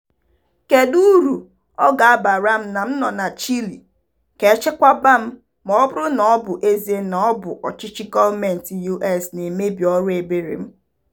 Kedu uru ọ ga-abara m na m nọ na Chile ka e chekwaba m ma ọ bụrụ na ọ bụ ezie na ọ bụ ọchịchị gọọmentị US na-emebi orubere m?